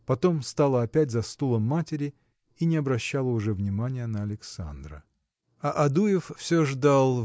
потом стала опять за стулом матери и не обращала уже внимания на Александра. А Адуев все ждал